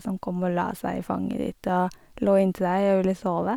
Sånn kom og la seg i fanget ditt og lå inntil deg og ville sove.